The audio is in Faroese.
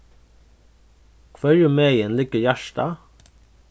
hvørjumegin liggur hjartað